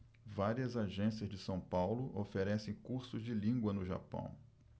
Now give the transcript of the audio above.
várias agências de são paulo oferecem cursos de língua no japão